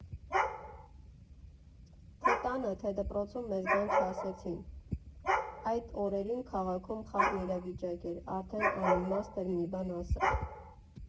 Թե՛ տանը, թե՛ դպրոցում մեզ բան չասեցին, այդ օրերին քաղաքում խառն իրավիճակ էր, արդեն անիմաստ էր մի բան ասել։